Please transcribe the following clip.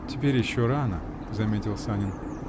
-- Теперь еще рано, -- заметил Санин.